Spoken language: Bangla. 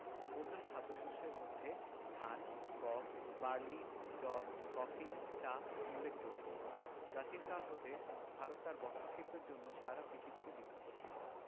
প্রধান খাদ্যশস্যের মধ্যে ধান গম বার্লি যব কফি চা উল্লেখযোগ্যপ্রাচীনকাল হতে ভারত তার বস্ত্রশিল্পের জন্য সারা পৃথিবীতে বিখ্যাত ছিল